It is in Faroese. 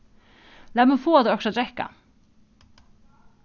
lat meg fáa tær okkurt at drekka